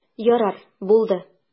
Ярар, булды.